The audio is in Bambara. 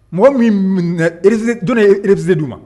Mɔgɔ min don repzse d'u ma